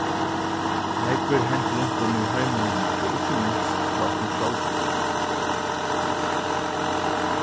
nógv er hent runt um í heiminum og ikki minst hjá okkum sjálvum